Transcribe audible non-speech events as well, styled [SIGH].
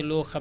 [HESITATION] [HESITATION]